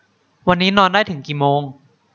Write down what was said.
วันนี้นอนได้ถึงกี่โมง